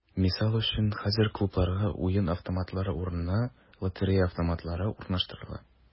Мисал өчен, хәзер клубларга уен автоматлары урынына “лотерея автоматлары” урнаштырыла.